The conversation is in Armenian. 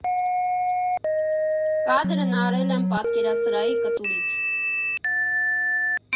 Կադրն արել եմ Պատկերասրահի կտուրից։